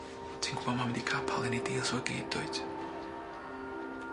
Ti'n gwbo' ma' mynd i capal i neud deals o i gyd dwyt?